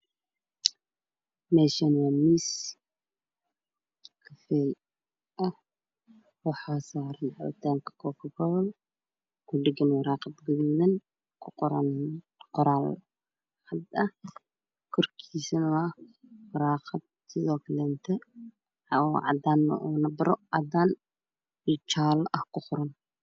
Meeshaan waa miis fake ah waxaa saaran cabitaanaka Coca-Cola ku dhagan waraqad gaduudan ku qoran qoraal cod ah korkiisana waa waraaqad sidoo kaleetana xoogaha cadaan nabro cadaan ah iyo jaalo ah ku qoran